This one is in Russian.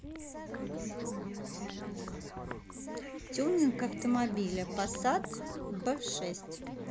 тюнинг автомобиля посад б шесть